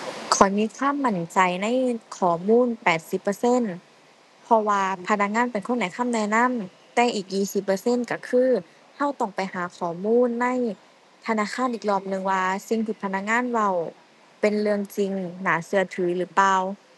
ข้อยมีความมั่นใจในข้อมูลแปดสิบเปอร์เซ็นต์ เพราะว่าพนักงานเป็นคนให้คำแนะนำ แต่อีกยี่สิบเปอร์เซ็นต์ก็คือก็ต้องไปหาข้อมูลในธนาคารอีกรอบหนึ่งว่าสิ่งที่พนักงานเว้าเป็นเรื่องจริง น่าก็ถือหรือเปล่า